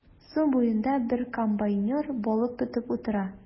Су буенда бер комбайнер балык тотып утыра.